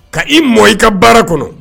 Ka i mɔ i ka baara kɔnɔ